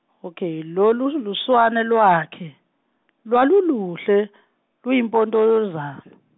okay, lolu luswane lwakhe, lwaluluhle, luyimpontolozana.